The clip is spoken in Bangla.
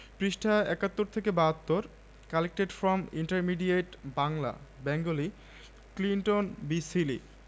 গত মঙ্গলবার বিকেলে সোনালি রোদ্দুরে একঝাঁক মেয়ের একাগ্র অনুশীলন দেখেই বোঝা যায় এটাই সেই মাঠ যেখানে ফুটবলার হওয়ার প্রথম দীক্ষা পেয়েছে তহুরা মারিয়া শামসুন্নাহার মার্জিয়ারা